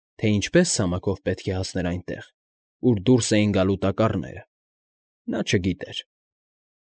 Թե ինչպե՞ս ցամաքով պետք է հասներ այնտեղ, ուր դուրս էին գալու տակառները՝ նա չգիտեր։